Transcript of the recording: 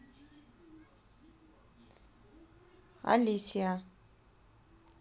alicia